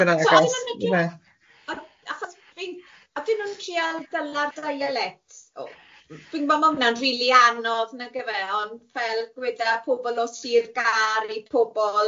O na so angen gweld... So oedden nhw'n medru achos fi'n oedden nhw'n trial dala'r dialect, fi'n gwybod ma wnna'n rili anodd nagyfe ond fel gwyda pobol o Sir Gâr i pobol